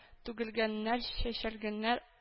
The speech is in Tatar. Түгелгәннәр-чәчелгәннәр